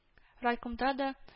Райкомда да